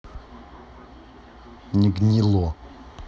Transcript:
не гнило